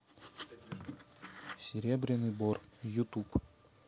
серебряный бор ютуб